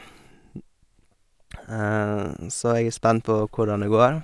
Så jeg er spent på hvordan det går.